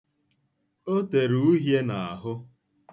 O tere uhie n'ahụ.